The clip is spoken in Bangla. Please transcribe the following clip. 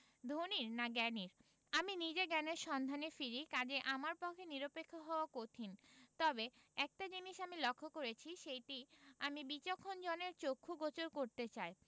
ধনীর না জ্ঞানীর আমি নিজে জ্ঞানের সন্ধানে ফিরি কাজেই আমার পক্ষে নিরপেক্ষ হওয়া কঠিন তবে একটা জিনিস আমি লক্ষ করেছি সেইটে আমি বিচক্ষণ জনের চক্ষু গোচর করতে চাই